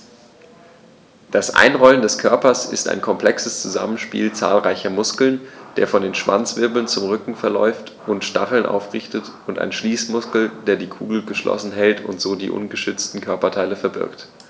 Das Einrollen des Körpers ist ein komplexes Zusammenspiel zahlreicher Muskeln, der von den Schwanzwirbeln zum Rücken verläuft und die Stacheln aufrichtet, und eines Schließmuskels, der die Kugel geschlossen hält und so die ungeschützten Körperteile verbirgt.